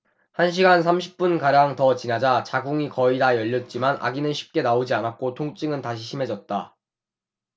한 시간 삼십 분가량 더 지나자 자궁이 거의 다 열렸지만 아기는 쉽게 나오지 않았고 통증은 다시 심해졌다